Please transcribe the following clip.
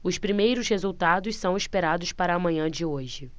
os primeiros resultados são esperados para a manhã de hoje